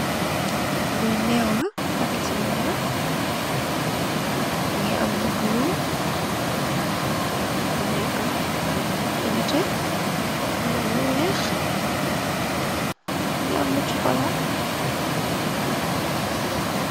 Li meew la packet ti meew la mungi am lu bulo, mungi am lu nete, mungi am lu weex , mungi am lu sokola .